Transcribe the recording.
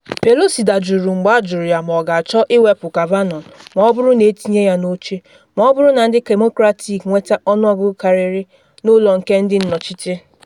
Pelosi dajụrụ mgbe ajụrụ ma ọ ga-achọ iwepu Kavanaugh ma ọ bụrụ na etinye ya n’oche, ma ọ bụrụ na ndị Demokrat nweta ọnụọgụgụ karịrị na Ụlọ nke Ndị Nnọchite.